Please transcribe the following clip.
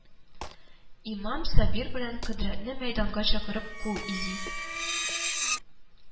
Имам Сабир белән Кодрәтне мәйданга чакырып кул изи